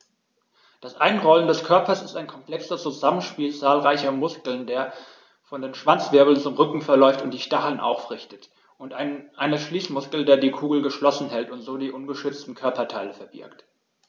Das Einrollen des Körpers ist ein komplexes Zusammenspiel zahlreicher Muskeln, der von den Schwanzwirbeln zum Rücken verläuft und die Stacheln aufrichtet, und eines Schließmuskels, der die Kugel geschlossen hält und so die ungeschützten Körperteile verbirgt.